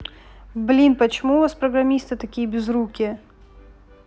блин почему у вас программисты такие безрукие